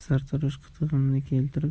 sartarosh qitig'imni keltirib